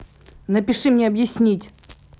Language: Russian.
напиши мне объяснить